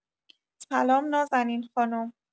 سلام نازنین خانم